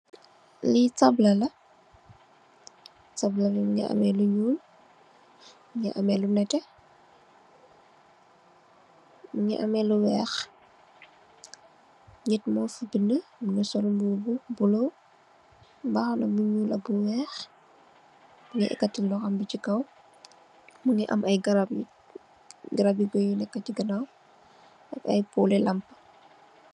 Li tabla la, tabla bi mungii ameh lu ñuul, mungii ameh lu netteh, mugii ameh lu wèèx. Nit mo fii bindé mungii sol mbubu bu bula, mbàxna bu ñuul ak bu wèèx mungii yekati loxom bi ci kaw, mungii am ay garab, garabi guy yu nèkka ci ganaw ay poli lamp.